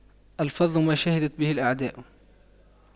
الفضل ما شهدت به الأعداء